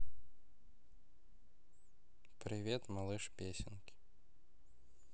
привет малыш песенки